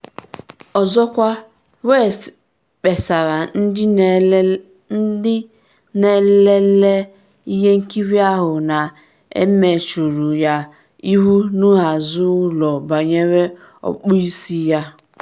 Ọzọkwa, West kpesara ndị n’elele ihe nkiri ahụ na emechuru ya ihu n’azụ ụlọ banyere okpu isi ya.